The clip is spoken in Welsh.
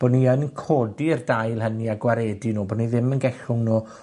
bod ni yn codi'r dail hynny, a gwaredu nw, bo' ni ddim yn gellwng nw